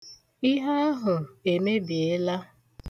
Ihe ahụ emebiela.